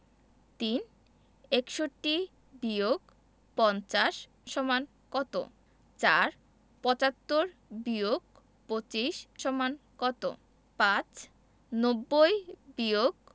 ৩ ৬১-৫০ = কত ৪ ৭৫-২৫ = কত ৫ ৯০-